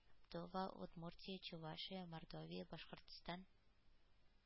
Тува, Удмуртия, Чувашия, Мордовия, Башкортстан